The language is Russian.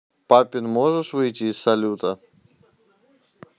папин можешь выйти из салюта